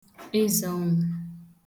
ẹzeọ̀nwụ